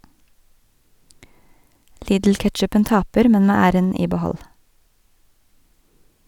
Lidl-ketchupen taper, men med æren i behold.